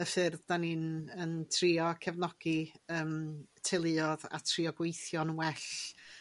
y ffyrdd 'dan ni'n yn trio cefnogi yym teuluodd a trio gweithio'n well